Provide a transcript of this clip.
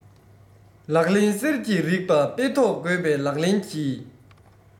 ལག ལེན གསེར གྱི ལག ལེན གསེར གྱི རིག པ དཔེ ཐོག འགོད པའི ལག ལེན གྱི